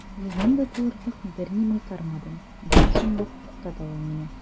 Легенда булырлык берни майтармадым, – дип шундук туктата ул мине.